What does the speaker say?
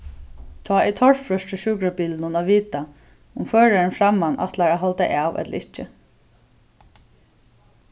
tá er torført hjá sjúkrabilinum at vita um førarin framman ætlar at halda av ella ikki